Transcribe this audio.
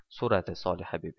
so'radi solihabibi